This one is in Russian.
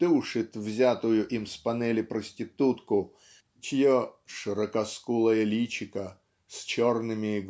душит взятую им с панели проститутку чье "широкоскулое личико с черными